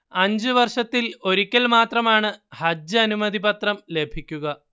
അഞ്ചു വർഷത്തിൽ ഒരിക്കൽ മാത്രമാണ് ഹജ്ജ് അനുമതി പത്രം ലഭിക്കുക